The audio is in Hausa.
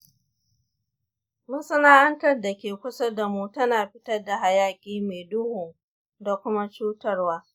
masana’antar da ke kusa da mu tana fitar da hayaƙi mai duhu da kuma cutarwa.